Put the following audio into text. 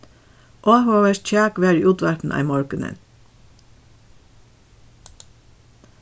áhugavert kjak var í útvarpinum ein morgunin